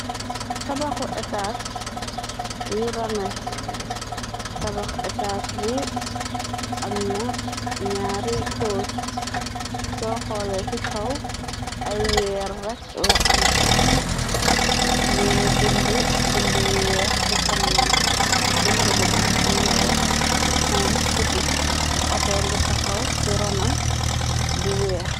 Tabaxu etaas yu range tabaxu etas bi am na ñaari cors so xoole ci kaw ay weer rekk la am ñu ngi bind bind yu weex ci kanamam bind bi nak mu ngi wax hom city auto ngi taxaw ci ronam bu weex.